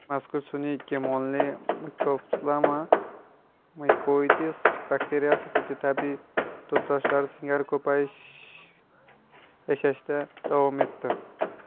mazkur sun'iy genomli mycoplasma mycoides bakteriyasi xuddi tabiiy turdoshlari singari ko'payib yashashda davom etdi